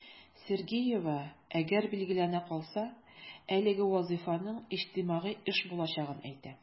Сергеева, әгәр билгеләнә калса, әлеге вазыйфаның иҗтимагый эш булачагын әйтә.